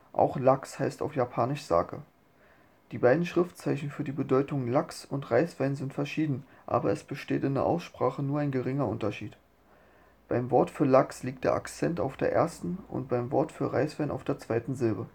Auch Lachs heißt auf japanisch „ Sake “. Die beiden Schriftzeichen für die Bedeutungen „ Lachs “und „ Reiswein “sind verschieden, aber es besteht in der Aussprache nur ein geringer Unterschied. Beim Wort für Lachs liegt der Akzent auf der ersten und beim Wort für Reiswein auf der zweiten Silbe